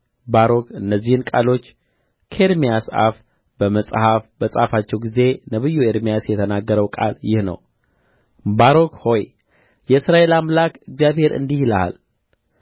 ባሮክ እነዚህን ቃሎች ከኤርምያስ አፍ በመጽሐፍ በጻፋቸው ጊዜ ነቢዩ ኤርምያስ የተናገረው ቃል ይህ ነው ባሮክ ሆይ የእስራኤል አምላክ እግዚአብሔር እንዲህ ይልሃል